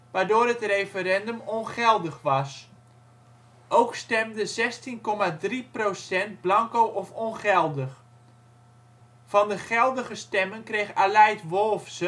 waardoor het referendum ongeldig was. Ook stemde 16,3 % blanco of ongeldig. Van de geldige stemmen kreeg Aleid Wolfsen